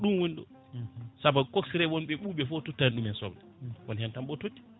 ɗum woni ɗo saabu coxeur eɓe wonɓe ɓuuɓe ɓe fo o tottani ɗumen soblewoni hen tan ɓewo totti